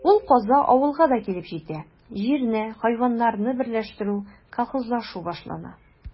Ул каза авылга да килеп җитә: җирне, хайваннарны берләштерү, колхозлашу башлана.